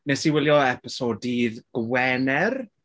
Wnes i wylioepisode dydd Gwener?